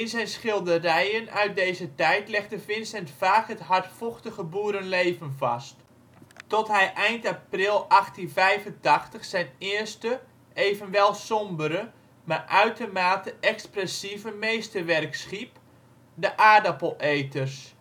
zijn schilderijen uit deze tijd legde Vincent vaak het hardvochtige boerenleven vast, tot hij eind april 1885 zijn eerste, evenwel sombere, maar uitermate expressieve meesterwerk schiep: De Aardappeleters